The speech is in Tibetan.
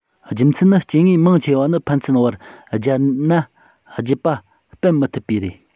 རྒྱུ མཚན ནི སྐྱེ དངོས མང ཆེ བ ནི ཕན ཚུན བར སྦྱར ན རྒྱུད པ སྤེལ མི ཐུབ པས རེད